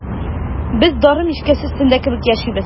Без дары мичкәсе өстендә кебек яшибез.